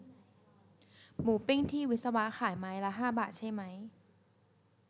หมูปิ้งที่วิศวะขายไม้ละห้าบาทใช่ไหม